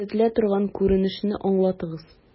Күзәтелә торган күренешне аңлатыгыз.